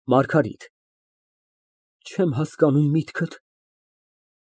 ՄԱՐԳԱՐԻՏ ֊ Չեմ հասկանում միտքդ։